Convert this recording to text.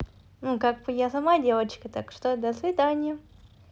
ну как бы я сама девочка так что до свидания